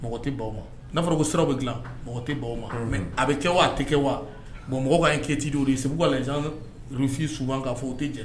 Mɔgɔ tɛbaw ma n'a fɔra ko sira bɛ dila tɛbaw ma mɛ a bɛ kɛ wa tɛ kɛ wa bon mɔgɔ ka in kɛti duuru o de ye segu ka fin su k'a fɔ o tɛ jɛnɛ